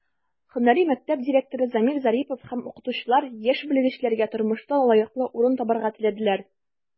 Һөнәри мәктәп директоры Замир Зарипов һәм укытучылар яшь белгечләргә тормышта лаеклы урын табарга теләделәр.